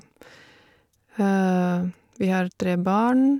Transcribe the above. Vi har tre barn.